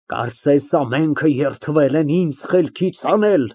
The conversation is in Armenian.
Կարծես, ամենքն երդվել են ինձ խելքից հանել։